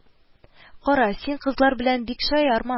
Кара, син кызлар белән бик шаярма